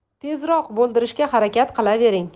tezroq bo'ldirishga harakat qilavering